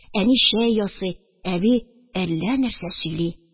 Әни чәй ясый, әби әллә нәрсә сөйли